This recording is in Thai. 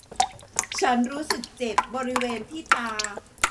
ฉันรู้สึกเจ็บบริเวณที่ตา